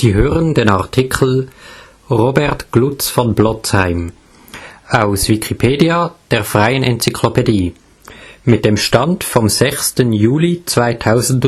hören den Artikel Robert Glutz von Blotzheim, aus Wikipedia, der freien Enzyklopädie. Mit dem Stand vom